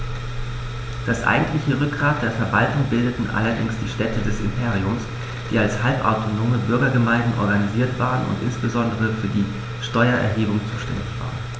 Das eigentliche Rückgrat der Verwaltung bildeten allerdings die Städte des Imperiums, die als halbautonome Bürgergemeinden organisiert waren und insbesondere für die Steuererhebung zuständig waren.